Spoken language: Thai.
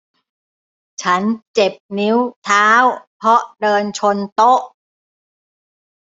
ฉันเจ็บนิ้วเท้าเพราะเดินชนโต๊ะ